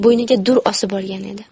bo'yniga dur osib olgan edi